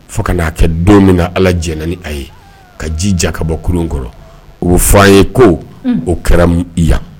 Fo ka n'a kɛ don min na ala j ni a ye ka jija ka bɔurun kɔrɔ o f fɔ an ye ko o kɛra mu yan